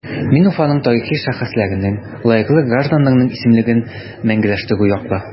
Мин Уфаның тарихи шәхесләренең, лаеклы гражданнарның истәлеген мәңгеләштерү яклы.